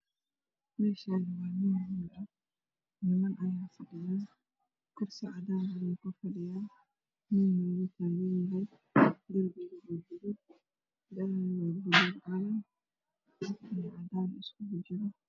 Meeshaan waa meel howl ah niman ayaa fadhiyo kursi cadaan ayay kor fadhiyaan mid wuu taagan yahay darbiga waa gaduud daaha waa baluug calan cadaan iskugu jiro